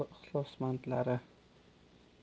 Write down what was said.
alaykum aziz futbol ixlosmandlari